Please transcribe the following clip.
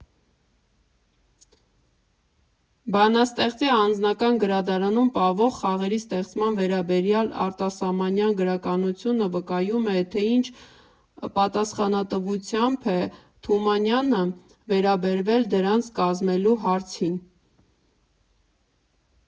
Բանաստեղծի անձնական գրադարանում պահվող խաղերի ստեղծման վերաբերյալ արտասահմանյան գրականությունը վկայում է, թե ինչ պատասխանությամբ է Թումանյանը վերաբերվել դրանց կազմելու հարցին։